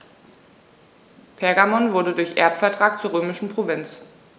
Pergamon wurde durch Erbvertrag zur römischen Provinz.